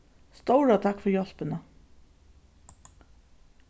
stóra takk fyri hjálpina